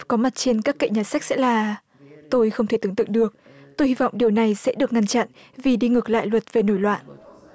có mặt trên các kệ nhà sách sẽ là tôi không thể tưởng tượng được tôi hy vọng điều này sẽ được ngăn chặn vì đi ngược lại luật về nổi loạn